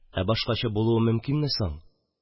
Ә башкача булуы мөмкинме соң?